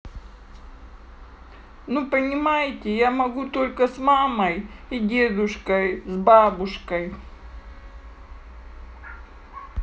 ну понимаете я могу только с мамой и дедушкой с бабушкой